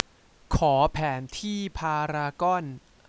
ขอแผนที่พารากอน